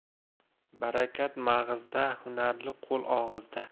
barakat mag'izda hunarli qo'l og'izda